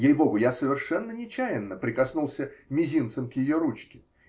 Ей-богу, я совершенно нечаянно прикоснулся мизинцем к ее ручке